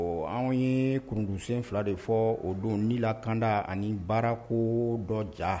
O anw ɲee kurundunsen 2 de fɔɔ o don ni lakanda ani baarakoo dɔ ja